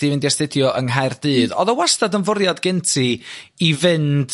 'nes di fynd i astudio yng Nghaerdydd. O'dd o wastad yn fwriad gen ti i fynd